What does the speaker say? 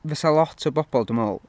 Fysa lot o bobl dwi'n meddwl...